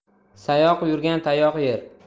sayoq yurgan tayoq yer